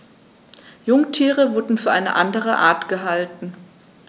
Jungtiere wurden für eine andere Art gehalten.